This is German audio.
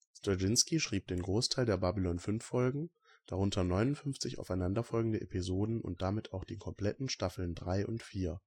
Straczynski schrieb den Großteil der Babylon 5-Folgen, darunter 59 aufeinanderfolgende Episoden und damit auch die kompletten Staffeln 3 und 4.